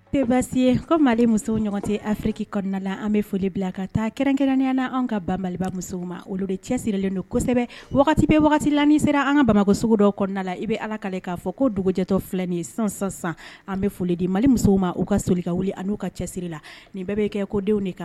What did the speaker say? Basi ko mali musow ɲɔgɔn tɛ afiriki kɔnɔna la an bɛ foli bila ka taa kɛrɛnkɛrɛnya na an ka ban bali musow ma olu de cɛsirilen don kosɛbɛ bɛ wagati la ni sera an ka bamakɔ sugu dɔ kɔnɔna la i bɛ ala kale k'a fɔ ko dugu jatetɔ filɛ nin sisansan san an bɛ foli di mali musow ma u ka seli ka wuli ani' uu ka cɛsiri la nin bɛɛ bɛ kɛ kodenw de kan